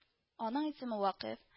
Аның исеме Вакыйф